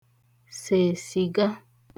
sè sị̀ga